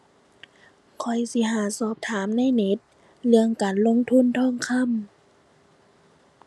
ข้อยสิหาสอบถามในเน็ต เรื่องการลงทุนทองคำ